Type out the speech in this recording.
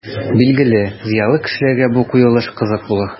Билгеле, зыялы кешеләргә бу куелыш кызык булыр.